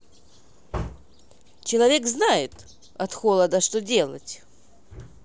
человек здохнет от холода что делать